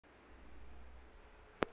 алиса узнать что делать